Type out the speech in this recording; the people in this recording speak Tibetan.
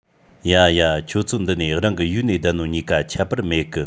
ཡ ཡ ཁྱོད ཚོ འདི ནས རང གི ཡུའུ ནས བསྡད ནོ གཉིས ཀ ཁྱད པར མེད གི